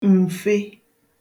m̀fe